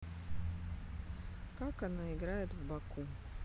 как она играет в баку